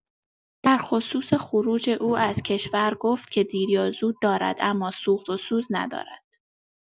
در خصوص خروج او از کشور گفت که دیر یا زود دارد اما سوخت و سوز ندارد.